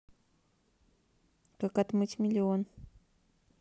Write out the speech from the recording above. как отмыть миллион